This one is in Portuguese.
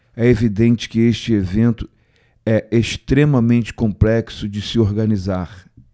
é evidente que este evento é extremamente complexo de se organizar